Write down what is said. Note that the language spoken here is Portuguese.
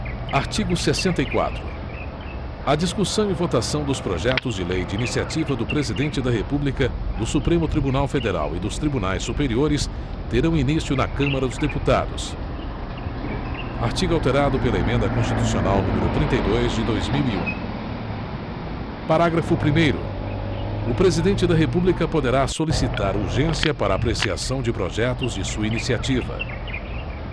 artigo sessenta e quatro a discussão e votação dos projetos de lei de iniciativa do presidente da república do supremo tribunal federal e dos tribunais superiores terão início na câmara dos deputados artigo alterado pela emenda constitucional número trinta e dois de dois mil e um parágrafo primeiro o presidente da república poderá solicitar urgência para apreciação de projetos de sua iniciativa